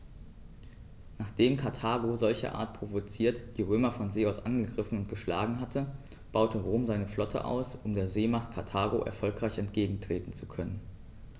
Nachdem Karthago, solcherart provoziert, die Römer von See aus angegriffen und geschlagen hatte, baute Rom seine Flotte aus, um der Seemacht Karthago erfolgreich entgegentreten zu können.